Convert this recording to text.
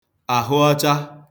àhụọcha